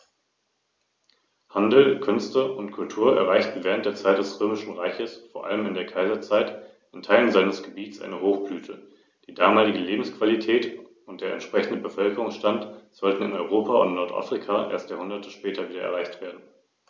Das Reich übte einen großen Einfluss auf die von ihm beherrschten Gebiete, aber auch auf die Gebiete jenseits seiner Grenzen aus.